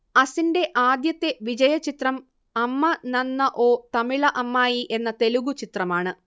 അസിൻറെ ആദ്യത്തെ വിജയചിത്രം അമ്മ നന്ന ഓ തമിള അമ്മായി എന്ന തെലുഗു ചിത്രമാണ്